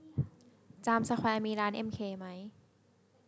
จามสแควร์มีร้านเอ็มเคไหม